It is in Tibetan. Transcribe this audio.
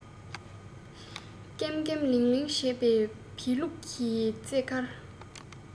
ཀེམ ཀེམ ལིང ལིང བྱེད པའི བེའུ ལུག གི རྩེད གར